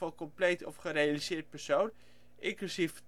compleet of gerealiseerd persoon '- inclusief